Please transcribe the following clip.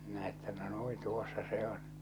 minä että no noin tuossa se on